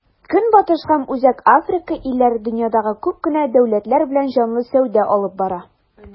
Көнбатыш һәм Үзәк Африка илләре дөньядагы күп кенә дәүләтләр белән җанлы сәүдә алып бара.